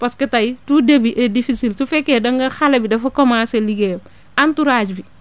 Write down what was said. parce que tey tout début est difficile su fekkee da nga xale bi dafa commencé liggéeyam entourage bi